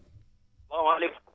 salaamaaleykum